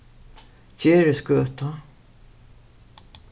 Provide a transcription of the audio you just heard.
gerðisgøta